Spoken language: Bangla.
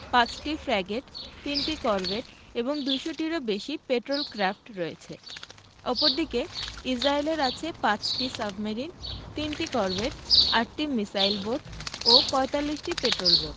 ৫টি ফ্র্যাগেট ৩টি করভেট এবং ২০০ টিরও বেশি পেট্রল ক্র্যাফট আছে অপরদিকে ইসরায়েলের আছে ৫টি সাবমেরিন ৩টি করভেট ৮টি মিসাইল বোট ও ৪৫টি পেট্রল বোট